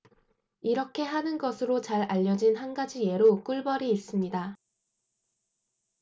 이렇게 하는 것으로 잘 알려진 한 가지 예로 꿀벌이 있습니다